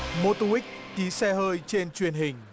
mô tô guých kí xe hơi trên truyền hình